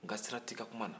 n ka sira t'i ka kuma na